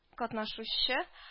Катнашучы